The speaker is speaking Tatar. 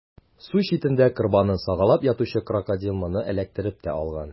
Су читендә корбанын сагалап ятучы Крокодил моны эләктереп тә алган.